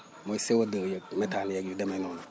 mooy CO2 yeeg métanes yeeg yu demee noonu